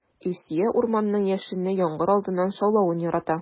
Илсөя урманның яшенле яңгыр алдыннан шаулавын ярата.